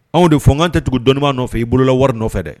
An yo de fɔ ko anw tɛ tugu dɔnni baga nɔfɛ i bolola wari nɔfɛ dɛ.